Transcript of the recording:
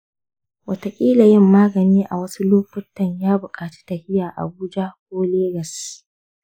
wataƙila yin magani a wasu lokuttan ya buƙaci tafiya abuja ko legas.